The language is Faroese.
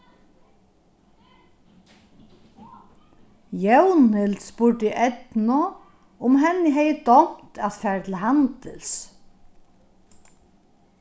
jónhild spurdi eydnu um henni hevði dámt at farið til handils